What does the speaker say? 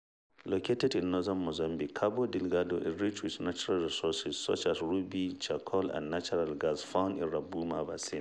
Located in northern Mozambique, Cabo Delgado is rich with natural resources, such as ruby, charcoal and natural gas, found in the Rovuma Basin.